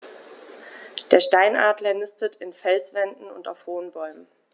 Der Steinadler nistet in Felswänden und auf hohen Bäumen.